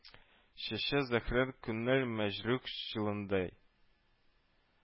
Чәчә зәһрен күңел мәҗрух җыландай